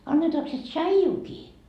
annetaanko se tsaijuakin